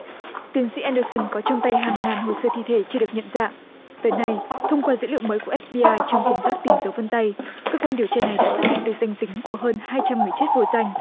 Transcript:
tiến sĩ en đơ sừn có trong tay hàng ngàn hồ sơ thi thể chưa được nhận dạng tới nay thông qua dữ liệu mới của ép bi ai trong công tác tìm dấu vân tay cơ quan điều tra này đã xác định được danh tính của hơn hai trăm người chết vô danh